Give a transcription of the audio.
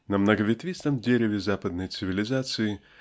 На многоветвистом дереве западной цивилизации